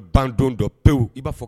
ban dɔn dɔ pewu, i b'a fɔ